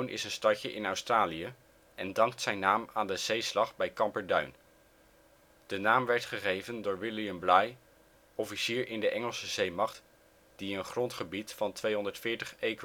is een stadje in Australië en dankt zijn naam aan de Zeeslag bij Camperduin. De naam werd gegeven door William Bligh, officier in de Engelse zeemacht, die een grondgebied van 240 acres (1 km²